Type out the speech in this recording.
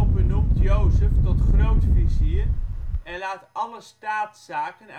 benoemt Jozef tot grootvizier en laat alle staatszaken